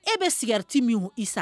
E bɛ sigiti min i san